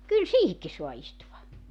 kyllä siihenkin saa istua